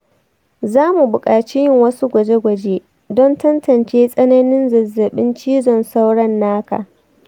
za mu buƙaci yin wasu gwaje-gwaje don tantance tsananin zazzaɓin cizon sauro naka